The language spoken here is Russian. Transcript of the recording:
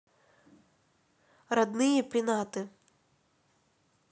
родные пенаты